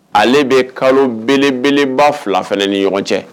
Ale bɛ kalo belebeleba fila fana ni ɲɔgɔn cɛ